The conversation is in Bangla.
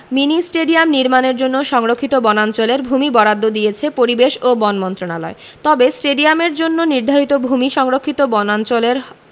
মিনি স্টেডিয়াম নির্মাণের জন্য সংরক্ষিত বনাঞ্চলের ভূমি বরাদ্দ দিয়েছে পরিবেশ ও বন মন্ত্রণালয় তবে স্টেডিয়ামের জন্য নির্ধারিত ভূমি সংরক্ষিত বনাঞ্চলের